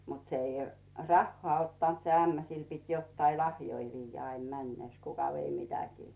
mutta se ei rahaa ottanut se ämmä sille piti jotakin lahjoja viedä aina mennessään kuka vei mitäkin